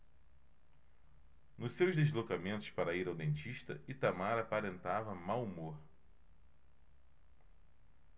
nos seus deslocamentos para ir ao dentista itamar aparentava mau humor